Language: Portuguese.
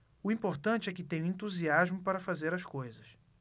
o importante é que tenho entusiasmo para fazer as coisas